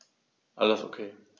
Alles OK.